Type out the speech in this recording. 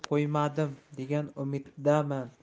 qo'ymadim degan umiddaman